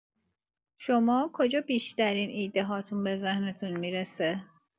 شما کجا بیشترین ایده‌هاتون به ذهنتون می‌رسه؟